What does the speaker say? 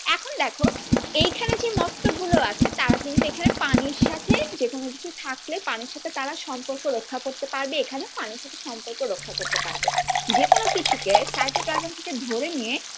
এখন দেখো এখানে যে মস্তক গুলো আছে তারা কিন্তু এখানে পানির সাথে যে কোন কিছু থাকলে পানির সাথে তারা সম্পর্ক রক্ষা করতে পারবে এখানেও পানির সাথে সম্পর্ক রক্ষা করতে পারবে যে কোন কিছুকে সাইটোপ্লাজম থেকে ধরে নিয়ে